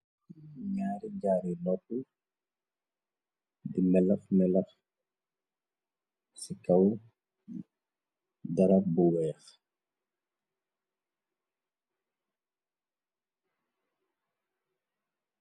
Ñaari jaari noppl di melaf melaf ci kaw darab bu weex.